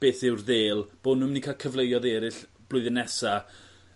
beth yw'r ddêl bo' n'w myn' i ca'l cyfleoedd eryll blwyddyn nesa